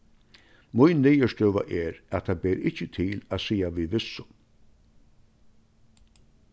mín niðurstøða er at tað ber ikki til at siga við vissu